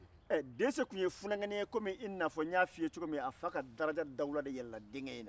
ɛɛ dɛsɛ tun ye funakenin i n'a fɔ n tun y'a fɔ iɲɛna cogoya min na a fa ka daraja dawula de yɛlɛnna den in na